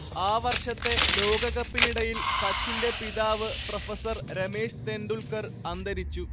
ആ വർഷത്തെ ലോകകപ്പിനിടയിൽ സച്ചിന്റെ പിതാവ് പ്രൊഫസർ രമേശ് തെൻഡുൽക്കർ അന്തരിച്ചു